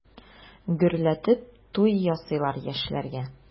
Гөрләтеп туй ясыйлар яшьләргә.